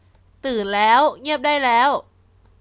ตื่นแล้วเงียบได้แล้ว